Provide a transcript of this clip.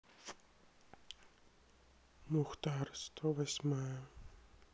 мухтар сто восьмая